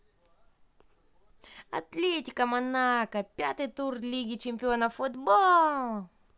атлетика монако пятый тур лиги чемпионов футбол